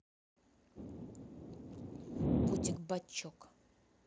потик бочок